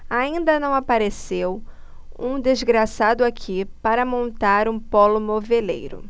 ainda não apareceu um desgraçado aqui para montar um pólo moveleiro